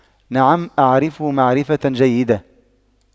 نعم اعرفه معرفة جيدة